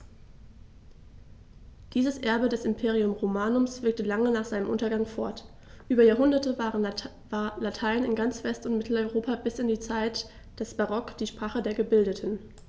Dieses Erbe des Imperium Romanum wirkte lange nach seinem Untergang fort: Über Jahrhunderte war Latein in ganz West- und Mitteleuropa bis in die Zeit des Barock die Sprache der Gebildeten.